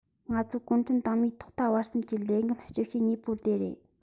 ང ཚོ གུང ཁྲན ཏང མིའི ཐོག མཐའ བར གསུམ གྱི ལས འགན ལྕི ཤོས གཉིས པོ དེ རེད